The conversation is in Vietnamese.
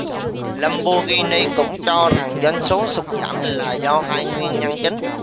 lamborghini cũng cho rằng doanh số sụt giảm là do hai nguyên nhân chính